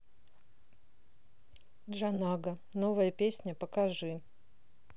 janaga новая песня покажи